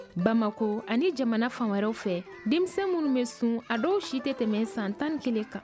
bamakɔ ani jamana fan wɛrɛw fɛ denmisɛn minnu bɛ sun a dɔw si tɛ tɛmɛ san tan ni kelen kan